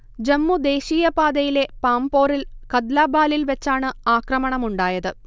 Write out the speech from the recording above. ജമ്മു ദേശീയപാതയിലെ പാംപോറിൽ കദ്ലാബാലിൽ വച്ചാണ് ആക്രമണം ഉണ്ടായത്